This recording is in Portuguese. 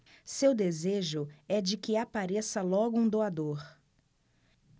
seu desejo é de que apareça logo um doador